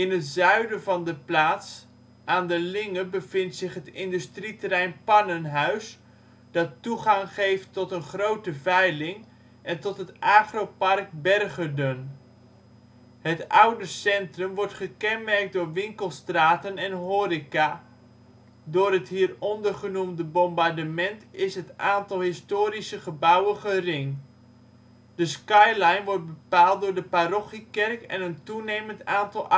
het zuiden van de plaats aan de Linge bevindt zich het industrieterrein Pannenhuis, dat toegang geeft tot een grote veiling en tot het agro-park Bergerden. Het oude centrum wordt gekenmerkt door winkelstraten en horeca. Door het hieronder genoemde bombardement is het aantal historische gebouwen gering. De " skyline " wordt bepaald door de parochiekerk en een toenemend aantal